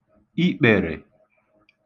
ikpèrè